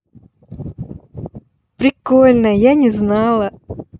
прикольно я не знала